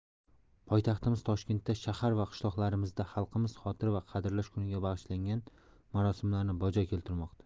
poytaxtimiz toshkentda shahar va qishloqlarimizda xalqimiz xotira va qadrlash kuniga bag'ishlangan marosimlarni bajo keltirmoqda